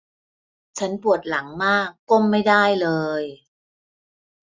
ฉันปวดหลังมากก้มไม่ได้เลย